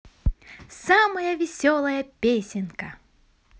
самая веселая песенка